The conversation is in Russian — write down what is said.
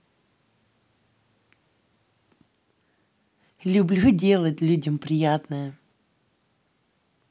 люблю делать людям приятное